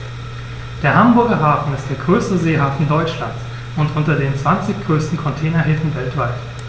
Der Hamburger Hafen ist der größte Seehafen Deutschlands und unter den zwanzig größten Containerhäfen weltweit.